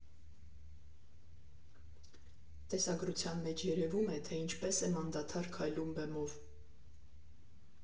Տեսագրության մեջ երևում է, թե ինչպես եմ անդադար քայլում բեմով։